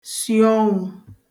si ọnwụ̄